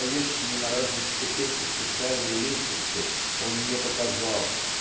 стоящими на разных ступеньках социальной лестницы он не показал.